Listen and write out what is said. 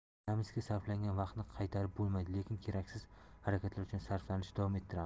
bilamizki sarflangan vaqtni qaytarib bo'lmaydi lekin keraksiz harakatlar uchun sarflashni davom ettiramiz